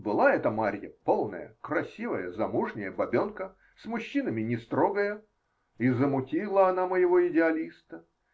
Была эта Марья полная, красивая замужняя бабенка, с мужчинами не строгая -- и замутила она моего идеалиста.